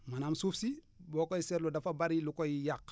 maanaam suuf si boo koy seetlu dafa bari lu koy yàq